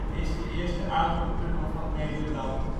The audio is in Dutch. is de eerste autotunnel van Nederland